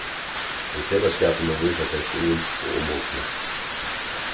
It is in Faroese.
í felagsskapinum vísa tey stuðul og umhugsni